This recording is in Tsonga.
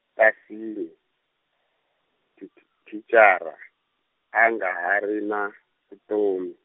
-tasini, th- t- thicara, a nga ha ri na, vutomi.